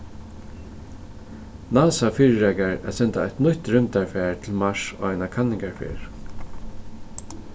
nasa fyrireikar at senda eitt nýtt rúmdarfar til mars á eina kanningarferð